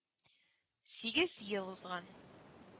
Сигез ел узган